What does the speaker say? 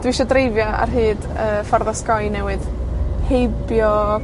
dwi isio dreifio ar hyd y ffordd osgoi newydd, heibio...